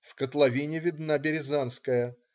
В котловине видна Березанская.